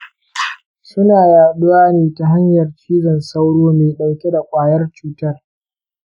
suna yaɗuwa ne ta hanyar cizon sauro mai ɗauke da ƙwayar cutar.